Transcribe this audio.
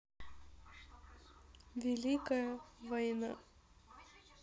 великая война